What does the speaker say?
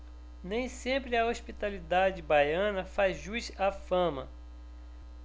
nem sempre a hospitalidade baiana faz jus à fama